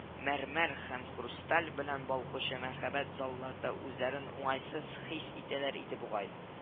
Мәрмәр һәм хрусталь белән балкучы мәһабәт залларда үзләрен уңайсыз хис итәләр иде бугай